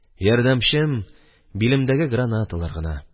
Ярдәмчем – билемдәге гранаталар гына.